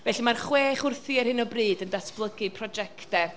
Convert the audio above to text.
Felly, mae'r chwech wrthi ar hyn o bryd yn datblygu projectau.